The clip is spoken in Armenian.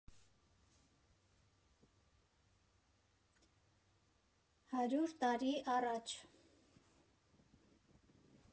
Հարյուր տարի առաջ։